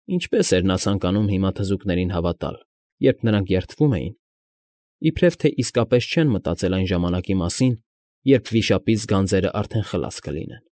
Ինչպե՜ս էր նա ցանկանում հիմա թզուկներին հավատալ, երբ նրանք երդվում էին, իբրև թե իսկապես չեն մտածել այն ժամանակի մասին, երբ վիշապից գանձերն արդեն խլած կլինեն։ ֊